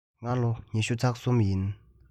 ང ད ལོ ལོ ཉི ཤུ རྩ གསུམ ཡིན